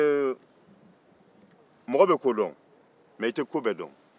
mɔgɔ bɛ ko dɔn mɛ i tɛ ko bɛɛ dɔn